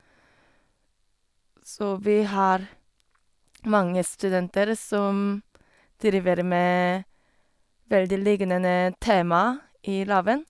Så vi har mange studenter som driver med veldig lignende tema i laben.